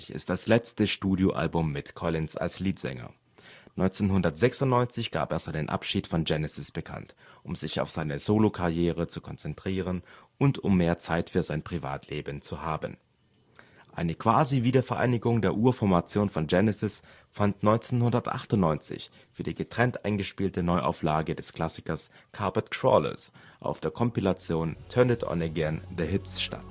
ist das letzte Studioalbum mit Collins als Lead-Sänger, 1996 gab er seinen Abschied von Genesis bekannt, um sich auf seine Solokarriere zu konzentrieren und um mehr Zeit für sein Privatleben zu haben. Eine Quasi-Wiedervereinigung der Ur-Formation von Genesis fand 1998 für die getrennt eingespielte Neuauflage des Klassikers Carpet Crawlers auf der Kompilation Turn It On Again - The Hits statt